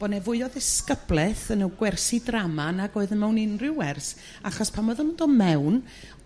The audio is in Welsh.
bo' 'ne fwy o ddisgyblaeth yn y gwersi drama nag oedd e mewn unrhyw wers achos pan o'dd yn do' mewn